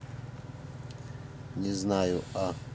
не знаю а